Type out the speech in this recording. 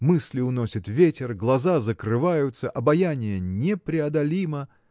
Мысли уносит ветер, глаза закрываются, обаяние непреодолимо.